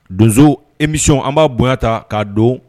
Donso émission an ba bonya ta ka don